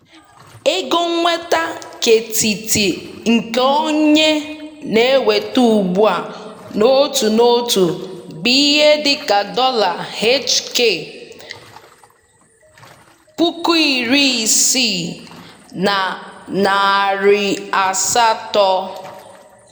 Ego nnweta ketiti nke onye na-enweta ugbu a n'otu n'otu bụ ihe dị ka dọla HK$16,800 (US$2,200)